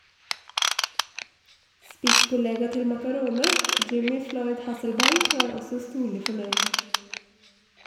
Spisskollega til Maccarone, Jimmy Floyd Hasselbaink var også storlig fornøyd.